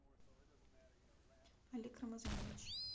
олег рамазанович